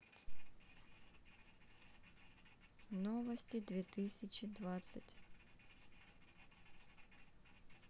новости две тысячи двадцать